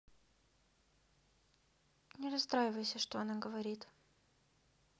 не расстраивайся что она говорит